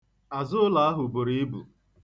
Anyị na-ezu ike n'azụụlọ.